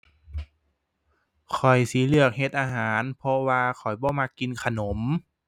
ข้อยสิเลือกเฮ็ดอาหาร เพราะว่าข้อยบ่มักกินขนม